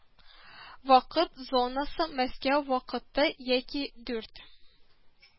Вакыт зонасы Мәскәү вакыты яки дүрт